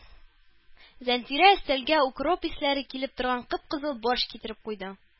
Зәнфирә өстәлгә укроп исләре килеп торган кып-кызыл борщ китереп куйды.